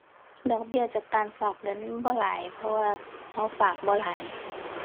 ดอกเบี้ยจากการฝากเงินบ่หลาย เพราะว่าเราฝากบ่หลาย